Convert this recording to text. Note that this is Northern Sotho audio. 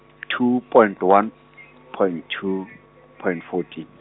two point one, point two, point fourteen.